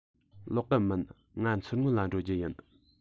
ལོག གི མིན ང མཚོ སྔོན ལ འགྲོ རྒྱུ ཡིན